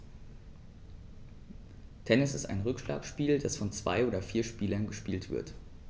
Tennis ist ein Rückschlagspiel, das von zwei oder vier Spielern gespielt wird.